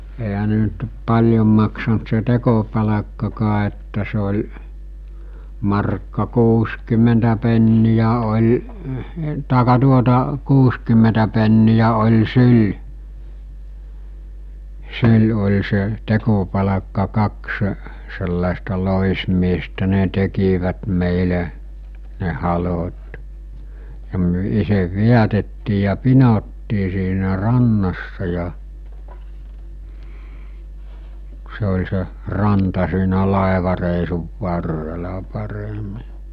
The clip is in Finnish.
eihän ne nyt paljon maksanut se tekopalkkaakaan että se oli markka kuusikymmentä penniä oli tai tuota kuusikymmentä penniä oli syli syli oli se tekopalkka kaksi sellaista loismiestä ne tekivät meille ne halot ja me itse vedätettiin ja pinottiin siinä rannassa ja se oli se ranta siinä laivareissun varrella paremmin